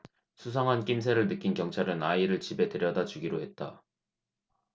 수상한 낌새를 느낀 경찰은 아이를 집에 데려다 주기로 했다